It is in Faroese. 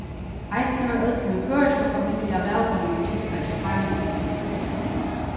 eisini var øll mín føroyska familja vælkomin at gista hjá teimum